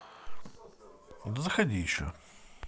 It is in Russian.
заходи еще